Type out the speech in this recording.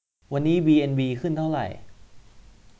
วันนี้บีเอ็นบีขึ้นเท่าไหร่